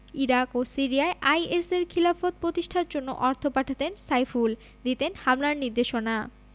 Iraq ও সিরিয়ায় আইএসের খিলাফত প্রতিষ্ঠার জন্য অর্থ পাঠাতেন সাইফুল দিতেন হামলার নির্দেশনা